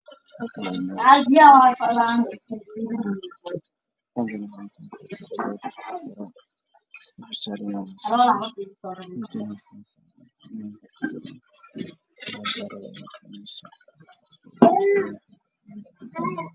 Halkaan waa meel isbitaal ah waxaa jiifo nin xanuunsan waxaa kor taagan kalkaaliso